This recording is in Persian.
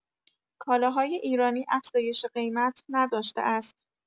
کالاهای ایرانی افزایش قیمت نداشته است